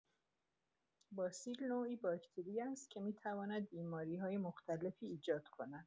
باسیل نوعی باکتری است که می‌تواند بیماری‌های مختلفی ایجاد کند.